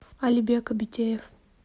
алибек абитеев